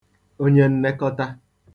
onyennekọta